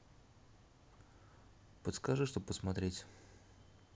подскажи что посмотреть